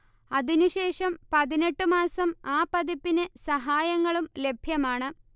അതിനു ശേഷം പതിനെട്ട് മാസം ആ പതിപ്പിന് സഹായങ്ങളും ലഭ്യമാണ്